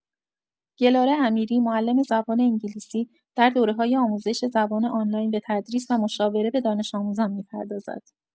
گلاره امیری، معلم زبان انگلیسی، در دوره‌های آموزش زبان آنلاین به تدریس و مشاوره به دانش‌آموزان می‌پردازد.